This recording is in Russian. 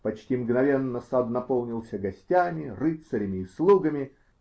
Почти мгновенно сад наполнился гостями, рыцарями и слугами.